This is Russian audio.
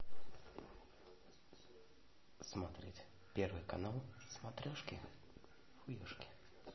смотреть первый канал сматрешки